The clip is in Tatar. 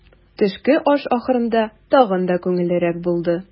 Төшке аш ахырында тагы да күңеллерәк булды.